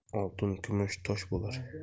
oltin kumush tosh bo'lar